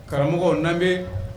Karamɔgɔ danbe bɛ